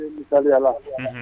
I ka yaala